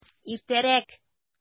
Иртәрәк!